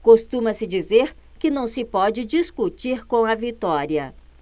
costuma-se dizer que não se pode discutir com a vitória